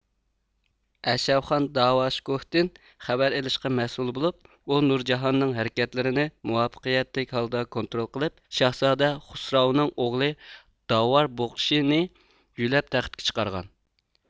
ئەشەفخان داۋاشكوھتىن خەۋەر ئېلىشقا مەسئۇل بولۇپ ئۇ نۇرجاھاننىڭ ھەرىكەتلىرىنى مۇۋەپپەقىيەتلىك ھالدا كونترول قىلىپ شاھزادە خۇسراۋنىڭ ئوغلى داۋار بۇقىشنى يۆلەپ تەختكە چىقارغان